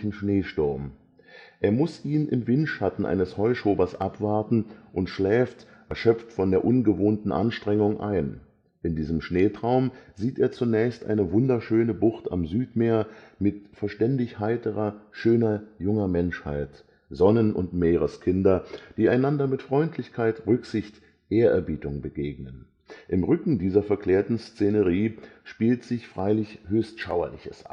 Schneesturm. Er muss ihn im Windschatten eines Heuschobers abwarten und schläft, erschöpft von der ungewohnten Anstrengung, ein. In diesem Schneetraum sieht er zunächst eine „ wunderschöne Bucht am Südmeer “, mit „ verständig-heiterer, schöner, junger Menschheit “,„ Sonnen - und Meereskinder “, die einander „ mit Freundlichkeit, Rücksicht, Ehrerbietung “begegnen. Im Rücken dieser verklärten Szenerie spielt sich freilich höchst Schauerliches